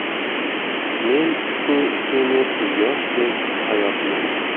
men ku seni yosh deb ayabman